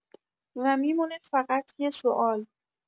و می‌مونه فقط یه سوال